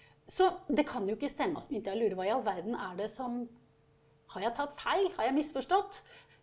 så det kan jo ikke stemme også begynte jeg å lure hva i all verden er det som, har jeg tatt feil, har jeg misforstått?